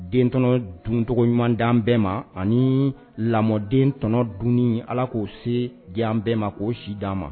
Dentɔnɔ duncogo ɲuman di bɛɛ ma ani lamɔden tɔnɔ dun ala k'o se di an bɛɛ ma k'o si d dian ma